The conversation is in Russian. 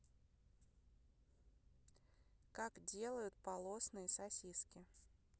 как делают полосные сосиски